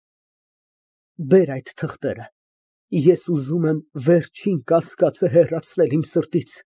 Բեր այդ թղթերը, ես ուզում եմ վերջին կասկածը հեռացնել իմ սրտից։